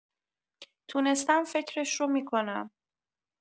تونستم فکرش رو می‌کنم.